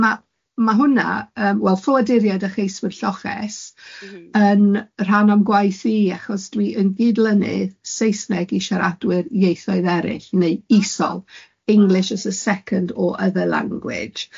Ma' ma' hwnna yym wel, ffoaduriaid a cheiswyr lloches... M-hm. ...yn rhan o'm gwaith i, achos dwi yn gyd-lynu Saesneg i siaradwyr ieithoedd eraill, neu isol. English as a second or other language.